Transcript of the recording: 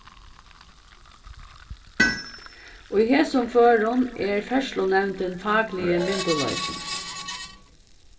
í hesum førum er ferðslunevndin fakligi myndugleikin